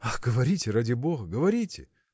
– Ах, говорите, ради бога, говорите!